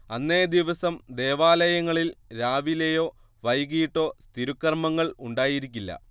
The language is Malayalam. അന്നേ ദിവസം ദേവാലയങ്ങളിൽ രാവിലെയോ വൈകീട്ടോ തിരുക്കർമ്മങ്ങൾ ഉണ്ടായിരിക്കില്ല